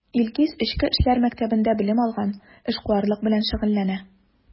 Илгиз Эчке эшләр мәктәбендә белем алган, эшкуарлык белән шөгыльләнә.